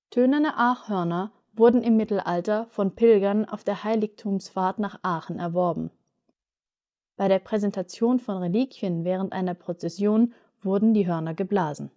Tönerne Aachhörner wurden im Mittelalter von Pilgern auf der Heiligtumsfahrt nach Aachen erworben. Bei der Präsentation von Reliquien während einer Prozession wurden die Hörner geblasen